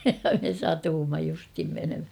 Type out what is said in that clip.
ja me satuimme justiin menemään